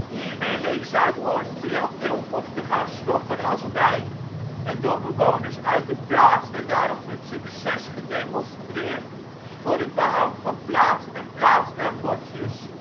Hiermee leek Zuidhorn Briltil op te gaan slokken als wijk en door bewoners uit de plaats werd daarop met succes gedemonstreerd voor het behoud van plaats en plaatsnaambordjes